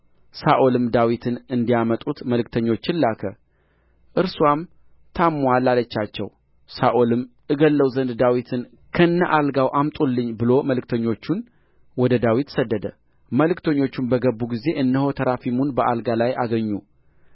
ሳኦልም ዳዊትን እንዲያመጡት መልእክተኞችን ላከ እርስዋም ታምሞአል አለቻቸው ሳኦልም እገድለው ዘንድ ዳዊትን ከነ አልጋው አምጡልኝ ብሎ መልእክተኞቹን ወደ ዳዊት ሰደደ መልእክተኞቹም በገቡ ጊዜ እነሆ ተራፊሙን በአልጋው ላይ አገኙ